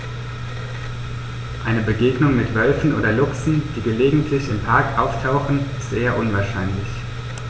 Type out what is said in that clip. Eine Begegnung mit Wölfen oder Luchsen, die gelegentlich im Park auftauchen, ist eher unwahrscheinlich.